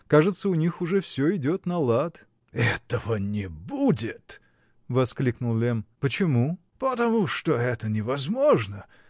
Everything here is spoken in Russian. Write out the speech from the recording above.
Кажется, у них уже все идет на лад. -- Этого не будет! -- воскликнул Лемм. -- Почему? -- Потому что это невозможно.